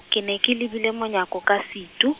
ke ne ke lebile monyako ka setu.